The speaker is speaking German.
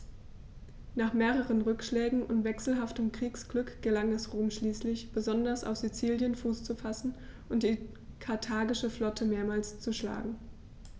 Nach mehreren Rückschlägen und wechselhaftem Kriegsglück gelang es Rom schließlich, besonders auf Sizilien Fuß zu fassen und die karthagische Flotte mehrmals zu schlagen.